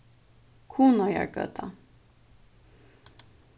kunoyargøta